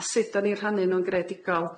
A sud 'dan ni'n rhannu nhw'n greadigol.